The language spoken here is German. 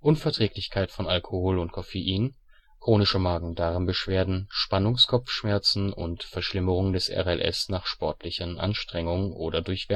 Unverträglichkeit von Alkohol und Koffein, chronische Magen-Darm-Beschwerden, Spannungskopfschmerzen und Verschlimmerung des RLS nach sportlichen Anstrengungen oder durch